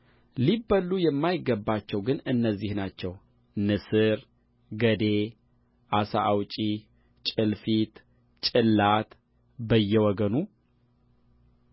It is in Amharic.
ሊበሉ የማይገባቸው ግን እነዚህ ናቸው ንስር ገዴ ዓሣ አውጭ ጭልፊት ጭላት በየወገኑ